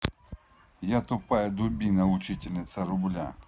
a тупая дубина учительница рубля